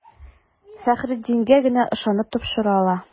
Фәхреддингә генә ышанып тапшыра ала.